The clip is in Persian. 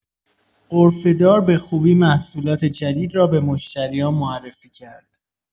غرفه‌دار به خوبی محصولات جدید را به مشتریان معرفی کرد.